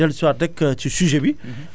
donc dellu si waat rek ci sujet bi